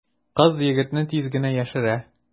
Кыз егетне тиз генә яшерә.